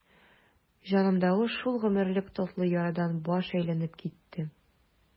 Җанымдагы шул гомерлек татлы ярадан баш әйләнеп китте.